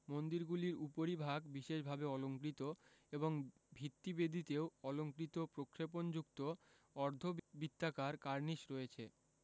মন্দিরগুলির উপরিভাগ বিশেষভাবে অলংকৃত এবং ভিত্তিবেদিতেও অলঙ্কৃত প্রক্ষেপণযুক্ত অর্ধবৃত্তাকার কার্নিস রয়েছে